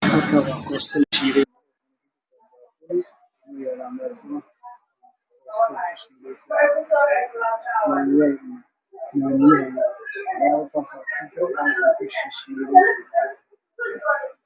Halkani waxa ka muuqdo koosto lagu dhexjajabiyay suugo waxana lagu karinaayaa digsi